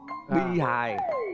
bi hài